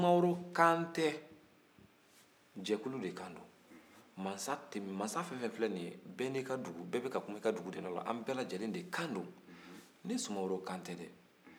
jɛkulu le kan ma fɛn o fɛn filɛ nin ye bɛɛ n'i ka dugu bɛɛ bɛ ka kuma i ka dugu tɔgɔ de la wa an bɛɛ lajɛlen de kan don ne sumaworo kan tɛ dɛ